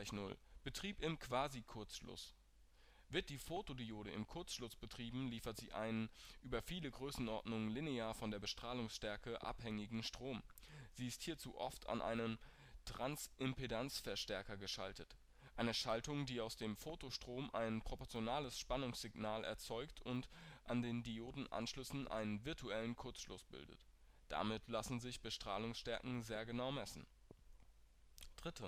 0, Betrieb im Quasi-Kurzschluss Wird die Photodiode im Kurzschluss betrieben, liefert sie einen über viele Größenordnungen linear von der Bestrahlungsstärke abhängigen Strom. Sie ist hierzu oft an einen Transimpedanzverstärker geschaltet – eine Schaltung, die aus dem Photostrom ein proportionales Spannungssignal erzeugt und an den Diodenanschlüssen einen virtuellen Kurzschluss bildet. Damit lassen sich Bestrahlungsstärken sehr genau messen. U ≤